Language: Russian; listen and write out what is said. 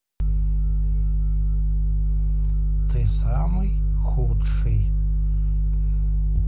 ты самый худший